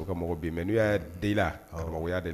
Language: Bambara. U mɔgɔ n''a deli laya de la